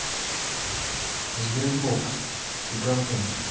sberbox ты говной